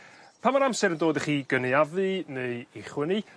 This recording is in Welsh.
Pan ma'r amser yn dod i chi gynaeafu neu i chwynnu